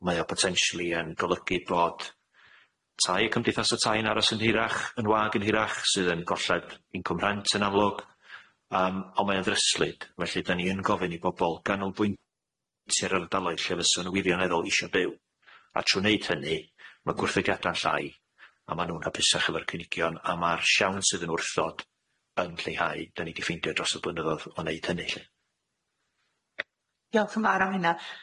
Mae o potenshyli yn golygu bod tai y cymdeithasa tai'n aros yn hirach yn wag yn hirach sydd yn golld incwm rhent yn amlwg yym on' mae o'n ddryslyd felly 'dan ni yn gofyn i bobol ganolbwyntio ar ardaloedd lle fysa nw'n wirioneddol isho byw a trw' neud hynny ma' gwrthodiadau'n llai a ma' nw'n hapusach efo'r cynigion a ma'r shiawns sydd yn wrthod yn lleihau 'dan ni 'di ffeindio dros y blynyddodd o neud hynny lly. Diolch yn fawr am hynna.